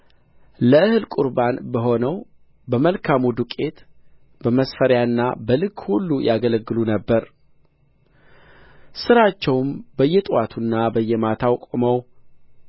ለእህል ቍርባን በሆነው በመልካሙ ዱቄት በመስፈሪያና በልክ ሁሉ ያገለግሉ ነበር ሥራቸውም በየጥዋቱና በየማታው ቆመው